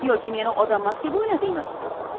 yoki meni odammas deb o'yladingmi